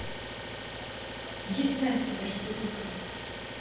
есть настя проститутка